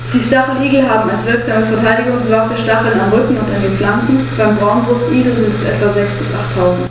Wie bei allen Arten der Unterfamilie Aquilinae sind die Beine bis zu den sehr kräftigen gelben Zehen befiedert.